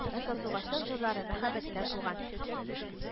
Ә сандугачның җырлары мәхәббәттән туган